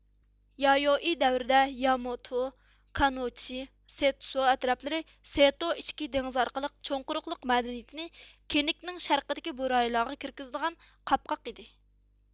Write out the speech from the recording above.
يايوئىي دەۋرىدە ياماتو كانۇچى سېتسو ئەتراپلىرى سېتو ئىچكى دېڭىزى ئارقىلىق چوڭ قۇرۇقلۇق مەدەنىيىتىنى كېنكىنىڭ شەرقىدىكى بۇ رايونلارغا كىرگۈزىدىغان قاپقاق ئىدى